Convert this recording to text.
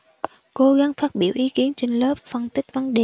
cố gắng phát biểu ý kiến trên lớp phân tích vấn đề